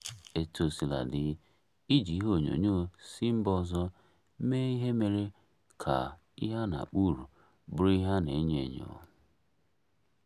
Etuosinadị, iji ihe onyonyo si mba ọzọ mee ihe mere ka ihe a na-akpọ "uru" bụrụ ihe a na-enyo enyo.